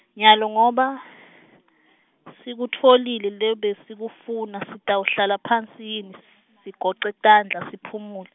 nyalo ngoba , sikutfolile lebesikufuna sitawuhlala phansi yini, sigoce tandla siphumule.